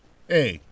eeyi